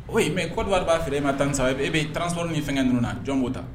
O kobali b'a feere e ma tan saba e bɛ taasɔrɔ ni fɛn ninnu jɔnko ta